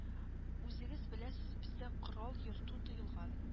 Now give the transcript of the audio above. Үзегез беләсез бездә корал йөртү тыелган